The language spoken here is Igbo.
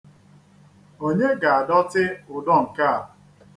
Onye ga-adọtị ụdọ nke a?